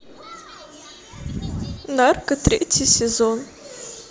нарко третий сезон